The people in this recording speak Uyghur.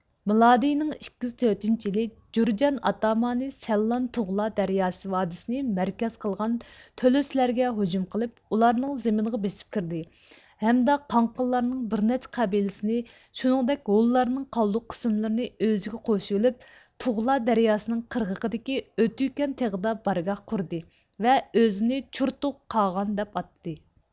مىلادىيىنىڭ ئىككى يۈز تۆتىنچى يىلى جۇرجان ئاتامانى سەللان تۇغلا دەرياسى ۋادىسىنى مەركەز قىلغان تۆلۆسلەرگە ھۇجۇم قىلىپ ئۇلارنىڭ زېمىنىغا بېسىپ كىردى ھەمدە قاڭقىللارنىڭ بىرنەچچە قەبىلىسىنى شۇنىڭدەك ھۇنلارنىڭ قالدۇق قىسىملىرىنى ئۆزىگە قوشۇۋېلىپ تۇغلا دەرياسىنىڭ قىرغىقىدىكى ئۆتۈكەن تېغىدا بارگاھ قۇردى ۋە ئۆزىنى چۇرتۇغ قاغان دەپ ئاتىدى